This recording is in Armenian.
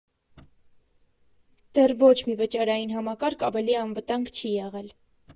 Դեռ ոչ մի վճարային համակարգ ավելի անվտանգ չի եղել։